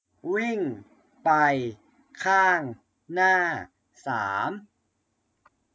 วิ่งไปข้างหน้าสาม